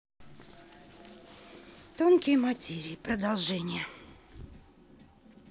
тонкие материи продолжение